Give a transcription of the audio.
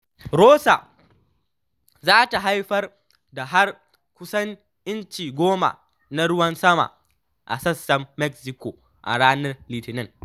Rosa za ta haifar da har kusan inci 10 na ruwan sama a sassan Mexico a ranar Litinin.